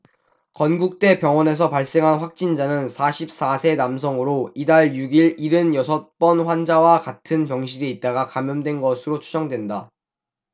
건국대병원에서 발생한 확진자는 사십 사 세 남성으로 이달 육 일 일흔 여섯 번 환자와 같은 병실에 있다가 감염된 것으로 추정된다